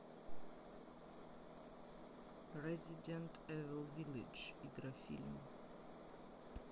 resident evil village игрофильм